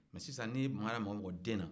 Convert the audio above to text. mɛ sisan ni makara mɔgɔ-mɔgɔ den na